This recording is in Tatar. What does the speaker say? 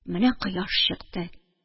Менә кояш чыкты.